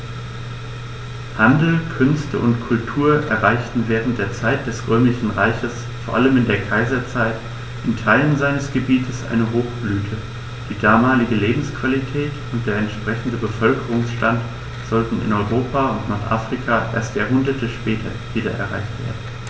Handel, Künste und Kultur erreichten während der Zeit des Römischen Reiches, vor allem in der Kaiserzeit, in Teilen seines Gebietes eine Hochblüte, die damalige Lebensqualität und der entsprechende Bevölkerungsstand sollten in Europa und Nordafrika erst Jahrhunderte später wieder erreicht werden.